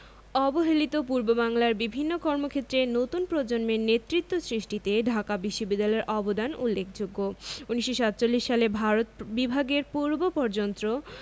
অবহেলিত পূর্ববাংলার বিভিন্ন কর্মক্ষেত্রে নতুন প্রজন্মের নেতৃত্ব সৃষ্টিতে ঢাকা বিশ্ববিদ্যালয়ের অবদান উল্লেখযোগ্য ১৯৪৭ সালে ভারত বিভাগের পূর্বপর্যন্ত